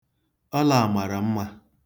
Ọla a mara mma.